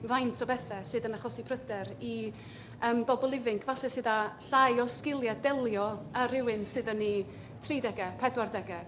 faint o bethe sydd yn achosi pryder i yym bobl ifanc, falle sydd â llai o sgiliau delio â rywun sydd yn eu tridegau, pedwardegau.